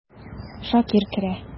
Шакир керә.